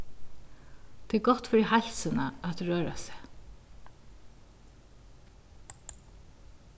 tað er gott fyri heilsuna at røra seg